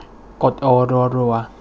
กดโอรัวรัว